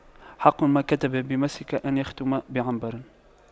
حق من كتب بمسك أن يختم بعنبر